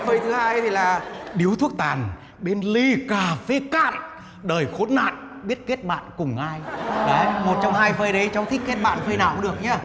phây thứ hai ý thì là điếu thuốc tàn bên ly cà phê cạn đời khốn nạn biết kết bạn cùng ai đấy một trong hai phây đấy cháu thích kết bạn phây nào cũng được nhá